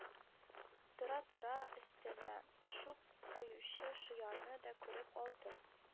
Тора-тора өстемә чүп коючы шаянны да күреп алдым